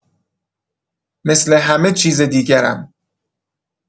مثل همه‌چیز دیگرم.